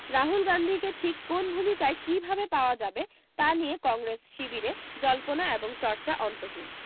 রাহুল গান্ধীকে ঠিক কোন ভূমিকায় কী ভাবে পাওয়া যাবে তা নিয়ে কংগ্রেস শিবিরে জল্পনা এবং চর্চা অন্তহীন